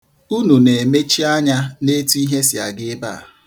Unu na-emechi anya n'etu ihe si aga ebe a.